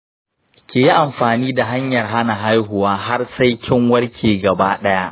kiyi amfani da hanyar hana haihuwa har sai kin warke gaba ɗaya.